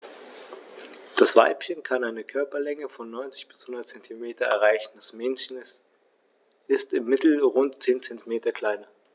Das Weibchen kann eine Körperlänge von 90-100 cm erreichen; das Männchen ist im Mittel rund 10 cm kleiner.